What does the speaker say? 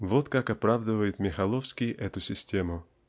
Вот как оправдывал Михайловский эту систему